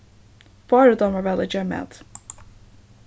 báru dámar væl at gera mat